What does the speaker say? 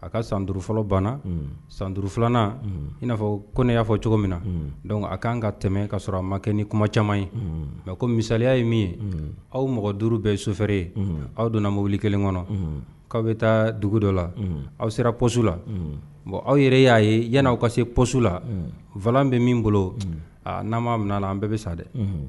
A ka sanuru fɔlɔ banna san duuruuru filanan i'afɔ ko ne y'a fɔ cogo min na a' kan ka tɛmɛ ka sɔrɔ a ma kɛ ni kuma caman ye mɛ ko misaliya ye min ye aw mɔgɔ duuru bɛɛ sofɛɛrɛ ye aw donna mobili kelen kɔnɔ k'aw bɛ taa dugu dɔ la aw sera psu la aw yɛrɛ y'a ye yan aw ka se psu la vlan bɛ min bolo n'an m'a min na an bɛɛ bɛ sa dɛ